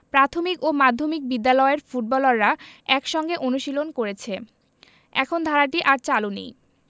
প্রাথমিক ও মাধ্যমিক বিদ্যালয়ের ফুটবলাররা একসঙ্গে অনুশীলন করেছে এখন ধারাটি আর চালু নেই